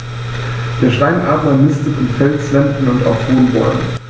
Der Steinadler nistet in Felswänden und auf hohen Bäumen.